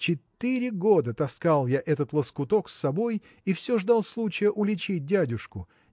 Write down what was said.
Четыре года таскал я этот лоскуток с собой и все ждал случая уличить дядюшку.